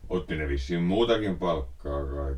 otti ne vissiin muutakin palkkaa kai